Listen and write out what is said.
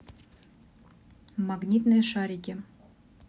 магнитные шарики